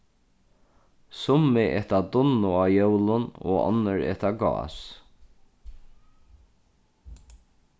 summi eta dunnu á jólum og onnur eta gás